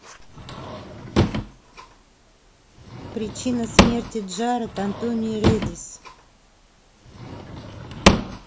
причина смерти jared anthony редис